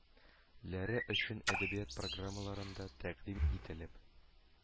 Ләре өчен әдәбият программалары»нда тэкъдим ителеп,